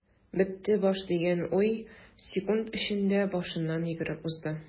"бетте баш” дигән уй секунд эчендә башыннан йөгереп узды.